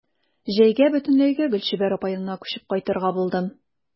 Җәйгә бөтенләйгә Гөлчибәр апа янына күчеп кайтырга булдым.